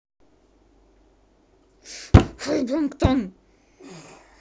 хуй планктон